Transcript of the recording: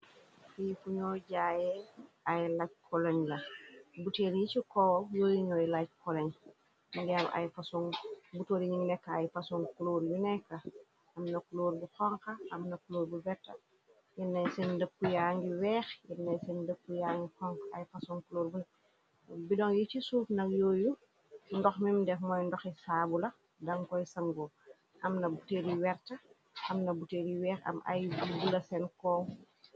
Fi fuñoo jaayee ay laj koloñ ya, buteel yi ci ko weori ñooy laj koloñ, ngir am sobutoori ñi nekk ay pason cloor yu nekk, amna kloor bu xonxa, amna cloor bu werta, yennay seen dëpp yaa ngi weex, yennay seen dëpp yaa ngi xonk, ay pason cloor bun bidoŋ, yi ci suuf nak, yooyu ndox mim def mooy ndoxi saabula, dankoy sango, am na buteel yi werta, amna butel yi weex, am ay bula seen koow.